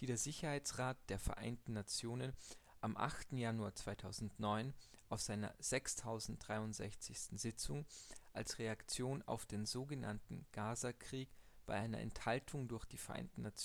die der Sicherheitsrat der Vereinten Nationen am 8. Januar 2009 auf seiner 6063. Sitzung als Reaktion auf den sogenannten Gaza-Krieg bei einer Enthaltung durch die Vereinigten Staaten